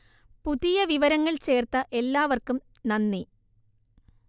പുതിയ വിവരങ്ങൾ ചേർത്ത എല്ലാവർക്കും നന്ദി